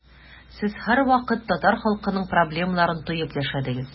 Сез һәрвакыт татар халкының проблемаларын тоеп яшәдегез.